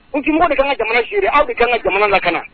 U de ka ka jamana siri aw bɛ ka kan ka jamana na kan